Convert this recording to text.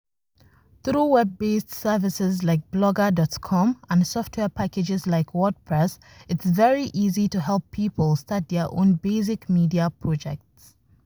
Through web-based services like Blogger.com and software packages like WordPress, it's very easy to help people start their own basic media projects.